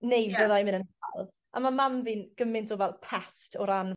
Neu byddai fynd yn sâl. A ma' mam fi'n gymint o fel pest o ran